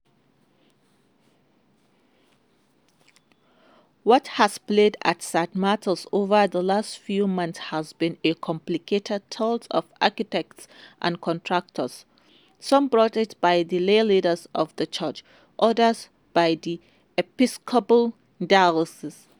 What has played out at St. Martin's over the last few months has been a complicated tale of architects and contractors, some brought in by the lay leaders of the church, others by the Episcopal diocese.